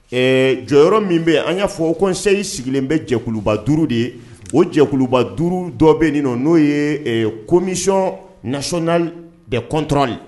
Ɛ jɔyɔrɔ yɔrɔ min bɛ an y'a fɔ kosɛ sigilen bɛ jɛkuluba duuru de ye o jɛkuluba duuru dɔ bɛ nin nɔ n'o ye komisɔn naon de kɔntli